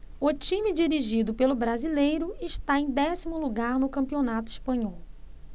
o time dirigido pelo brasileiro está em décimo lugar no campeonato espanhol